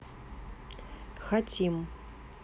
хотим